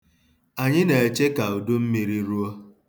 Anyị na-eche ka udummiri ruo.